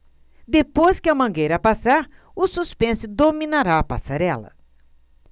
depois que a mangueira passar o suspense dominará a passarela